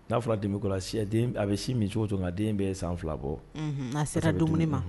N'a fɔra den be kɔrɔ a si a deen b a b sin min cogo-cogo ŋa den bee san 2 bɔ unhun a sera dumuni ma